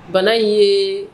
Bana in ye